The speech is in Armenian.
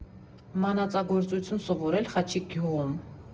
Մանածագործություն սովորել Խաչիկ գյուղում։